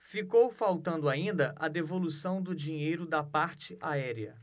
ficou faltando ainda a devolução do dinheiro da parte aérea